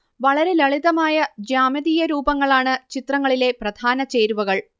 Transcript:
വളരെ ലളിതമായ ജ്യാമിതീയരൂപങ്ങൾ ആണ് ചിത്രങ്ങളിലെ പ്രധാനചേരുവകൾ